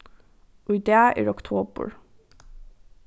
í dag er oktobur